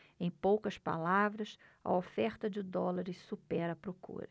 em poucas palavras a oferta de dólares supera a procura